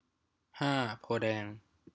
ห้าโพธิ์แดง